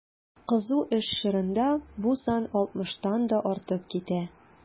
Кызу эш чорында бу сан 60 тан да артып китә.